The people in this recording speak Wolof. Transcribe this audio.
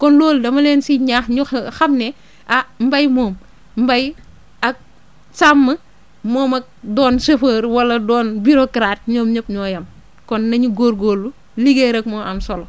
kon loolu dama leen siy ñaax ñu xam ne ah mbay moom mbay ak sàmm moom ak doon chauffeur wala doon bureaucrate ñoom ñëpp ñoo yem kon nañu góorgóorlu liggéey rek moo am solo